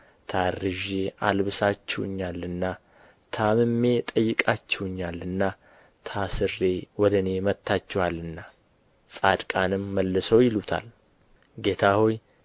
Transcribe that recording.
ታርዤ አልብሳችሁኛልና ታምሜ ጠይቃችሁኛልና ታስሬ ወደ እኔ መጥታችኋልና ጻድቃንም መልሰው ይሉታል ጌታ ሆይ